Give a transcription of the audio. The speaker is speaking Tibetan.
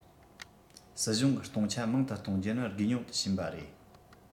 སྲིད གཞུང གི གཏོང ཆ མང དུ གཏོང རྒྱུ ནི དགོས ཉུང དུ ཕྱིན པ རེད